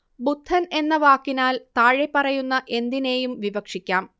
ബുദ്ധൻ എന്ന വാക്കിനാൽ താഴെപ്പറയുന്ന എന്തിനേയും വിവക്ഷിക്കാം